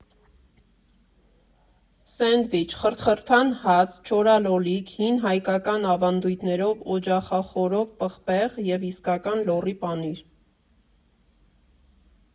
Սենդվիչ՝ խրթխրթան հաց, չորալոլիկ, հին հայկական ավանդույթներով օջախախորով պղպեղ և իսկական լոռի պանիր։